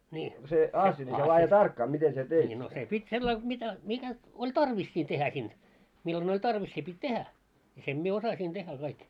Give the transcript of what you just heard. asia niin no se piti sillä lailla mitä mitä oli tarvis siinä tehdä sinne milloin oli tarvs se piti tehdä ja sen minä osasin tehdä kaikki